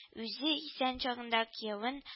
Үзе исән чагында киявен